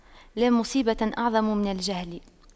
لا مصيبة أعظم من الجهل